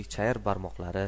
chayir barmoqlari